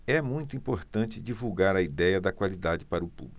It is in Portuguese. é muito importante divulgar a idéia da qualidade para o público